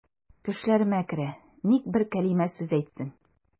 Төшләремә керә, ник бер кәлимә сүз әйтсен.